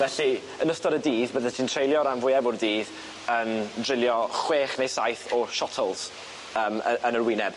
Felly yn ystod y dydd byddet ti'n treulio ran fwyaf o'r dydd yn drilio chwech neu saith o shot holes yym y- yn yr wyneb.